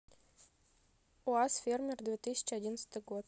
уаз фермер две тысячи одиннадцатый год